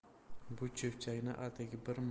bu cho'pchakni atigi bir marta aytgan